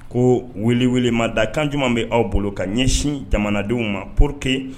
Koo welewelemadakan jumɛn be aw bolo k'a ɲɛsin jamanadenw ma pour que